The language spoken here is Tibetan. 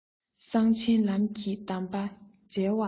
གསང ཆེན ལམ གྱི གདམས པར མཇལ བ ན